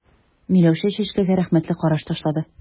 Миләүшә Чәчкәгә рәхмәтле караш ташлады.